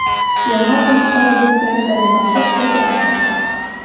Яңа танышларыбыз белән саубуллашып, кайтырга чыктык.